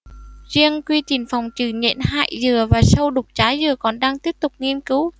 riêng quy trình phòng trừ nhện hại dừa và sâu đục trái dừa còn đang tiếp tục nghiên cứu